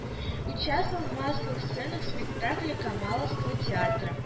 Участвовала в массовых сценах спектаклей камаловского театра